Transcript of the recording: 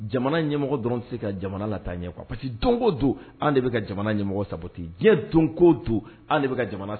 Jamana in ɲɛmɔgɔ dɔrɔn tɛ se ka jamana lataa ɲɛ quoi parce que don o don an de bɛ jamana ɲɛmɔgɔ saboter diɲɛ don o don an de bɛ ka jamana